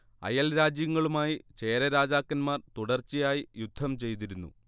അയൽ രാജ്യങ്ങളുമായി ചേര രാജാക്കന്മാർ തുടർച്ചയായി യുദ്ധം ചെയ്തിരുന്നു